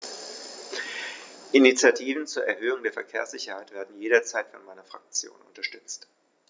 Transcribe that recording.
Initiativen zur Erhöhung der Verkehrssicherheit werden jederzeit von meiner Fraktion unterstützt.